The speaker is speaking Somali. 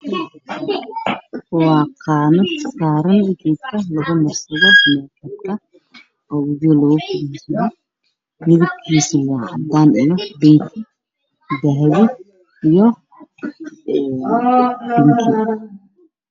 Waa qanad saran gedka lagu marsad mekabka midabkisu waa cadan io binki dahbi